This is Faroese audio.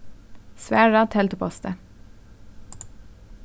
svara telduposti